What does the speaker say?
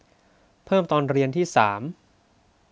เพิ่มตอนเรียนที่สาม